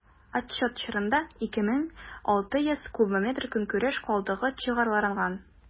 Отчет чорында 2600 кубометр көнкүреш калдыгы чыгарылган.